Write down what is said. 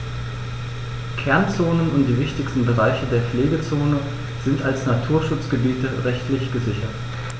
Kernzonen und die wichtigsten Bereiche der Pflegezone sind als Naturschutzgebiete rechtlich gesichert.